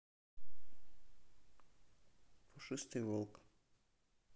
пушистый волк